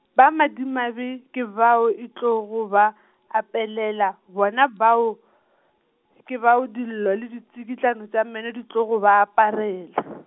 ba madimabe, ke bao e tlogo ba, aparela bona bao , ke boa dillo le ditsikitlano tša meno di tlogo ba aparela.